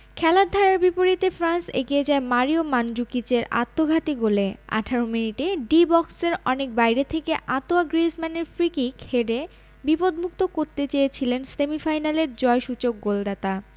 খেলার ধারার বিপরীতে ফ্রান্স এগিয়ে যায় মারিও মানজুকিচের আত্মঘাতী গোলে ১৮ মিনিটে ডি বক্সের অনেক বাইরে থেকে আঁতোয়া গ্রিজমানের ফ্রিকিক হেডে বিপদমুক্ত করতে চেয়েছিলেন সেমিফাইনালের জয়সূচক গোলদাতা